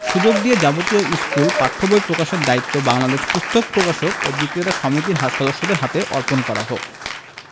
সুযোগ দিয়ে যাবতীয় স্কুল পাঠ্য বই প্রকাশের দায়িত্ব বাংলাদেশ পুস্তক প্রকাশক ও বিক্রেতা সমিতির সদস্যদের হাতে অর্পণ করা হোক